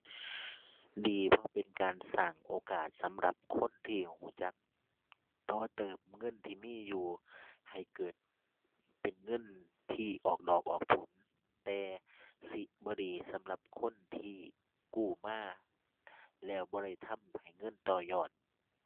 ดี เพราะเป็นการสร้างโอกาสสำหรับคนที่รู้จักต่อเติมเงินที่มีอยู่ให้เกิดเป็นเงินที่ออกดอกออกผล แต่สิบ่ดีสำหรับคนที่กู้มาแล้วบ่ได้ทำให้เงินต่อยอด